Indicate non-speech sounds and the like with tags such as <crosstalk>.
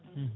<hesitation> <hesitation>